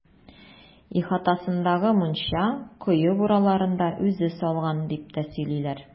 Ихатасындагы мунча, кое бураларын да үзе салган, дип тә сөйлиләр.